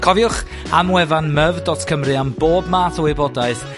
Cofiwch am wefan myf dot cymru am bob math o wybodaeth